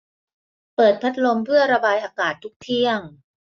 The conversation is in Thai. เปิดพัดลมเพื่อระบายอากาศทุกเที่ยง